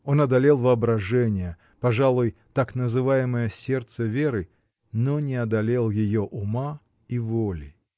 Он одолел воображение, пожалуй — так называемое сердце Веры, но не одолел ее ума и воли.